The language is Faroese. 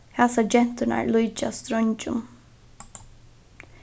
hasar genturnar líkjast dreingjum